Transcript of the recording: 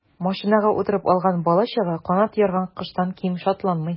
Машинага утырып алган бала-чага канат ярган коштан ким шатланмый.